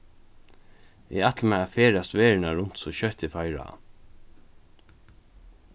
eg ætli mær at ferðast verðina runt so skjótt eg fái ráð